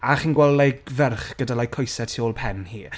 A chi'n gweld, like, ferch gyda, like, coese tu ol pen hi?